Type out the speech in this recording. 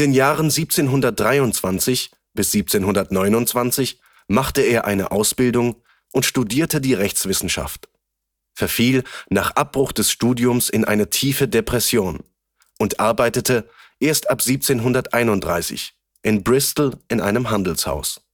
Jahren 1723 bis 1729 machte er eine Ausbildung und studierte die Rechtswissenschaft, verfiel nach Abbruch des Studiums in eine tiefe Depression und arbeitete erst ab 1731 in Bristol in einem Handelshaus